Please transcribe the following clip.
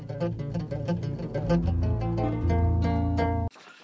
te kaadi ko waɗa commander kaadi ne wayno wonko fudɗi yettade hen ni